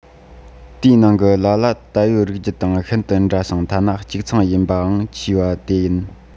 དེའི ནང གི ལ ལ ད ཡོད རིགས རྒྱུད དང ཤིན ཏུ འདྲ ཞིང ཐ ན གཅིག མཚུངས ཡིན པ ཡང མཆིས པ དེ ཡིན